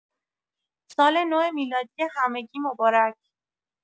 سال‌نو میلادی همگی مبارک